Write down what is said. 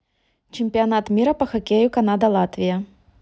чемпионат мира по хоккею канада латвия